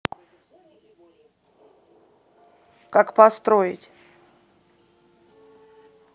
как построить